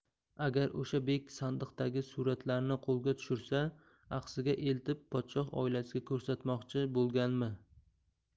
agar o'sha bek sandiqdagi suratlarni qo'lga tushirsa axsiga eltib podshoh oilasiga ko'rsatmoqchi bo'lganmi